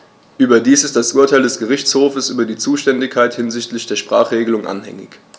Überdies ist das Urteil des Gerichtshofes über die Zuständigkeit hinsichtlich der Sprachenregelung anhängig.